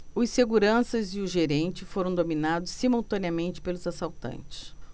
os seguranças e o gerente foram dominados simultaneamente pelos assaltantes